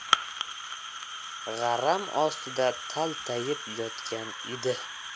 g'aram ostida taltayib yotgan edi